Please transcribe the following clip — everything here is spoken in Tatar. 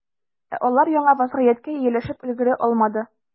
Ә алар яңа вәзгыятькә ияләшеп өлгерә алмады.